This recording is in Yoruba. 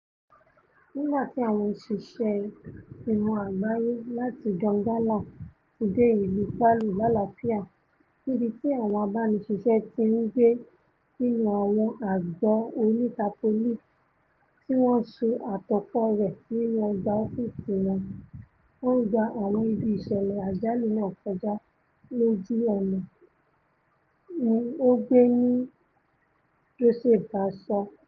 nígbàti àwọn òṣìṣẹ́ World Vision láti Donggala ti dé ìlú Palu lálàáfía, níbití àwọn abániṣiṣẹ́ tí ńgbé nínú àwọn àgọ́ oní-tapóólì tí wọn ṣe àtòpọ̀ rẹ̀ nínú ọgbà ọ́fíìsì wọn, wọ́n gba àwọn ibi ìṣẹ̀lẹ̀ àjálù náà kọjá lójú ọ̀nà, ni Ọ̀gbẹ́ni Doseba sọ.